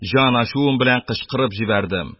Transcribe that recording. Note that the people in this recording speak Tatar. Җан ачуым белән кычкырып җибәрдем;